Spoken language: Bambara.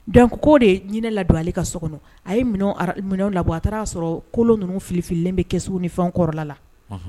Danko de jinɛ ladon ka so kɔnɔ a ye labɔ a taara y'a sɔrɔ kolon ninnu filifilen bɛ kɛso ni fɛn kɔrɔla la